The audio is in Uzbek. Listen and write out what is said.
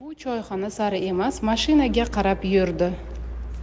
u choyxona sari emas mashinaga qarab yurdi